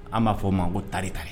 An ba fo ma ko tare tare .